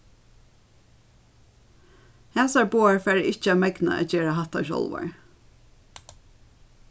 hasar báðar fara ikki at megna at gera hatta sjálvar